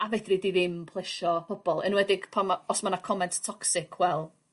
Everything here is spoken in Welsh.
a fedri 'di ddim plesio pobol enwedig pan ma'... Os ma' 'na comment toxic wel